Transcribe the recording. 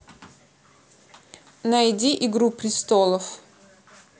найди игру пристолов